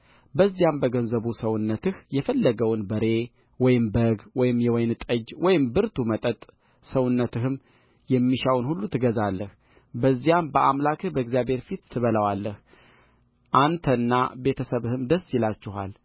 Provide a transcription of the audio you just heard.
በዚያም በገንዘቡ ሰውነትህ የፈለገውን በሬ ወይም በግ ወይም የወይን ጠጅ ወይም ብርቱ መጠጥ ሰውነትህም የሚሻውን ሁሉ ትገዛለህ በዚያም በአምላክህ በእግዚአብሔር ፊት ትበላዋለህ አንተና ቤተ ሰብህም ደስ ይላችኋል